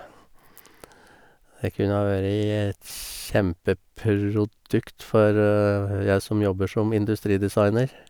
Det kunne ha vøri et kjempeprodukt for jeg som jobber som industridesigner.